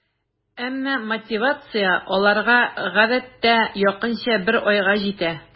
Әмма мотивация аларга гадәттә якынча бер айга җитә.